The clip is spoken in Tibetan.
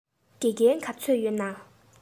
དགེ རྒན ག ཚོད ཡོད ན